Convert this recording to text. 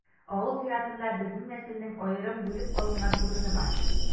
Авыл зиратында безнең нәселнең аерым бүлеп алган урыны бар.